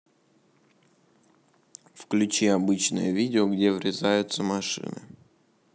включи обычное видео где врезаются машины